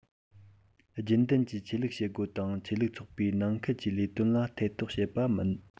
རྒྱུན ལྡན གྱི ཆོས ལུགས བྱེད སྒོ དང ཆོས ལུགས ཚོགས པའི ནང ཁུལ གྱི ལས དོན ལ ཐེ གཏོགས བྱས པ མིན